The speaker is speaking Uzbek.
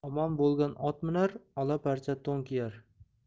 omon bo'lgan ot minar ola parcha to'n kiyar